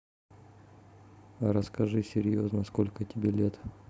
а расскажи серьезно сколько тебе лет